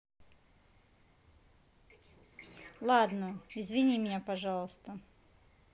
ладно извини меня пожалуйста